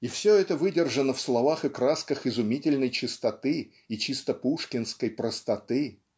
И все это выдержано в словах и красках изумительной чистоты и чисто пушкинской простоты.